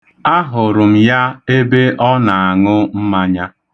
Ahụrụ m ya ebe ọ na-aṅụ mmanya.